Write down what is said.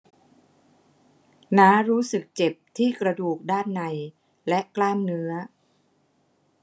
น้ารู้สึกเจ็บที่กระดูกด้านในและกล้ามเนื้อ